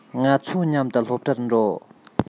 ང ཚོ མཉམ དུ སློབ གྲྭར འགྲོ